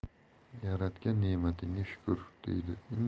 yaratgan nematingga shukur